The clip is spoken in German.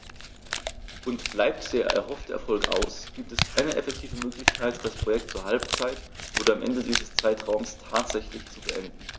Und bleibt der erhoffte Erfolg aus, gibt es keine effektive Möglichkeit, das Projekt zur Halbzeit oder am Ende dieses Zeitraums tatsächlich zu beenden.